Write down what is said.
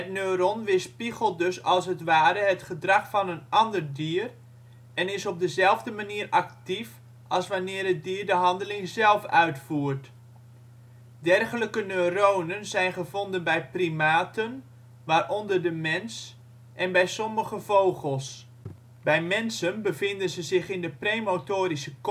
neuron weerspiegelt dus als het ware het gedrag van een ander dier en is op dezelfde manier actief als wanneer het dier de handeling zelf uitvoert. Dergelijke neuronen zijn gevonden bij primaten, waaronder de mens, en bij sommige vogels. Bij mensen bevinden ze zich in de premotorische